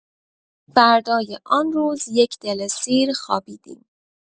فردای آن روز یک دل سیر خوابیدیم.